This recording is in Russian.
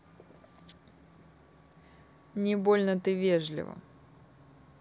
не больно ты вежливо